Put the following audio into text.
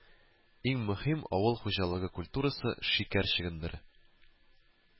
Иң мөһим авыл хуҗалыгы культурасы шикәр чөгендере